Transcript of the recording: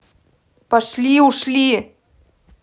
пошли ушли